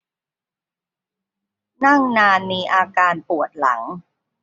นั่งนานมีอาการปวดหลัง